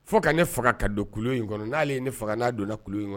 Fo ka ne faga ka don kulu in kɔnɔ n'ale ye ne faga n'a don la kulu in kɔnɔ